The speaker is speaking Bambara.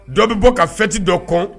Dɔ bɛ bɔ ka fɛnti dɔ kɔ